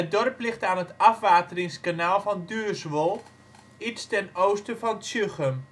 dorp ligt aan het Afwateringskanaal van Duurswold, iets ten oosten van Tjuchem